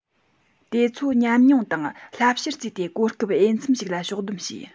དེ ཚོ ཉམས མྱོང དང བསླབ བྱར བརྩིས ཏེ གོ སྐབས འོས འཚམ ཞིག ལ ཕྱོགས བསྡོམས བྱས